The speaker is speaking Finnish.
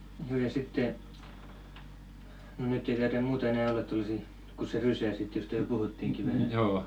juu ja sitten no nyt ei taida muuta enää olla tuollaisia kuin se rysä sitten josta jo puhuttiinkin vähän